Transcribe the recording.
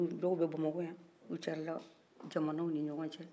dɔw bɛ bamako yan u caarila jamanaw nin ɲɔgɔn cɛ